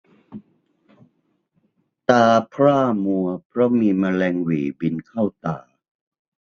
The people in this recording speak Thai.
ตาพร่ามัวเพราะมีแมลงหวี่บินเข้าตา